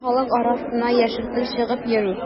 Халык арасына яшертен чыгып йөрү.